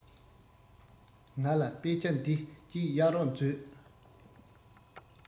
ང ལ དཔེ ཆ འདི གཅིག གཡར རོགས མཛོད